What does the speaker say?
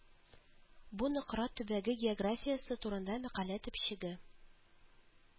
Бу Нократ төбәге географиясе турында мәкалә төпчеге